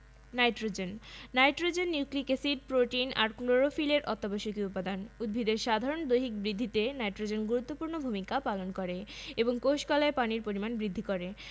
পুষ্টিতে এগুলোর গুরুত্বপূর্ণ ভূমিকার জন্যই আমরা ভালো ফলন পেতে জমিতে nitrogen urea potassium muriate of potash phosphorus triple super phosphate প্রভৃতি সার ব্যবহার করে থাকি